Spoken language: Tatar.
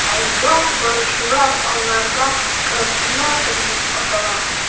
Әйдәп баручылар аларда координатор дип атала.